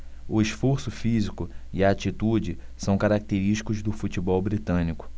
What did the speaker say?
o esforço físico e a atitude são característicos do futebol britânico